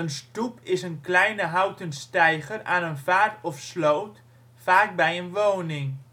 stoep is een klein houten steiger aan een vaart of sloot, vaak bij een woning